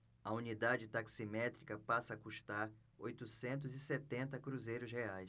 a unidade taximétrica passa a custar oitocentos e setenta cruzeiros reais